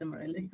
Dim rili.